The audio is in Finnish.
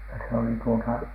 ja se oli tuota